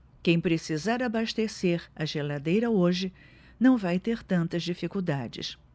quem precisar abastecer a geladeira hoje não vai ter tantas dificuldades